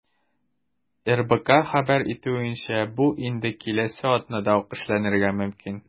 РБК хәбәр итүенчә, бу инде киләсе атнада ук эшләнергә мөмкин.